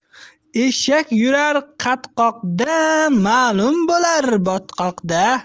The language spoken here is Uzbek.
eshak yurar qatqoqda ma'lum bo'lar botqoqda